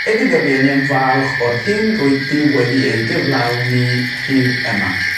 Ydi dy rhieni yn falch o'r hyn rwyt ti wedi ei gyflawni hydd ema?